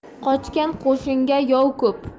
qochgan qo'shinga yov ko'p